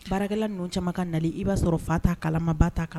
Baarakɛlala ninnu camanma ka nali i b' sɔrɔ fa ta kalama ba ta kala